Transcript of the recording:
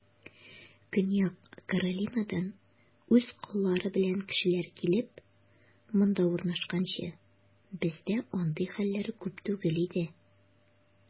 Көньяк Каролинадан үз коллары белән кешеләр килеп, монда урнашканчы, бездә андый хәлләр күп түгел иде.